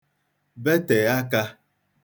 betè akā